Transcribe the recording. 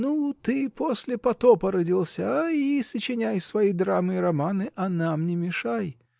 — Ну, ты после потопа родился и сочиняй свои драмы и романы, а нам не мешай!